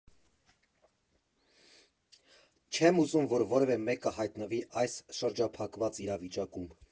Չեմ ուզում, որ որևէ մեկը հայտնվի այս շրջափակված իրավիճակում։